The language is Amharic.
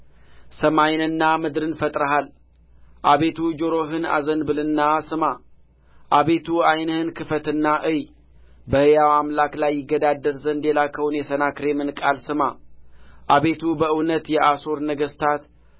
ሰማይንና ምድርን ፈጥረሃል አቤቱ ጆሮህን አዘንብልና ስማ አቤቱ ዓይንህን ክፈትና እይ በሕያው አምላክ ላይ ይገዳደር ዘንድ የላከውን የሰናክሬምን ቃል ስማ አቤቱ በእውነት የአሦር ነገሥታት